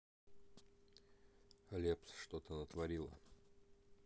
лепс что ты натворила